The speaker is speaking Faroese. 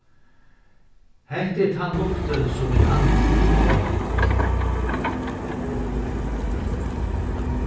hetta er tann luftin sum vit anda